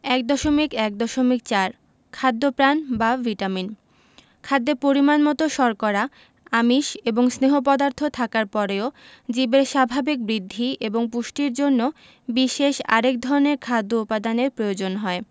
১.১.৪ খাদ্যপ্রাণ বা ভিটামিন খাদ্যে পরিমাণমতো শর্করা আমিষ এবং স্নেহ পদার্থ থাকার পরেও জীবের স্বাভাবিক বৃদ্ধি এবং পুষ্টির জন্য বিশেষ আরেক ধরনের খাদ্য উপাদানের প্রয়োজন হয়